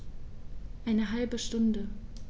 Eine halbe Stunde